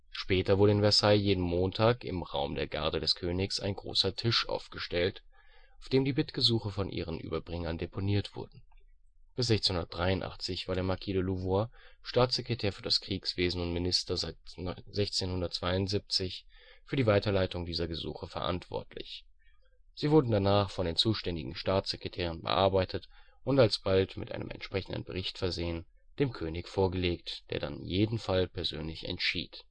Später wurde in Versailles jeden Montag im Raum der Garde des Königs ein großer Tisch aufgestellt, auf dem die Bittgesuche von ihren Überbringern deponiert wurden. Bis 1683 war der Marquis de Louvois, Staatssekretär für das Kriegswesen und Minister (seit 1672), für die Weiterleitung dieser Gesuche verantwortlich. Sie wurden danach von den zuständigen Staatssekretären bearbeitet und alsbald – mit einem entsprechenden Bericht versehen – dem König vorgelegt, der dann jeden Fall persönlich entschied